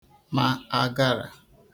ma agarà